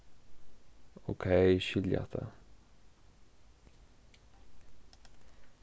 ókey eg skilji hatta